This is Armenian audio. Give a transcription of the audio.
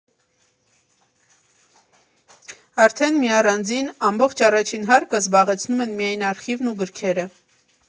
Արդեն մի առանձին՝ ամբողջ առաջին հարկը զբաղեցնում են միայն արխիվն ու գրքերը։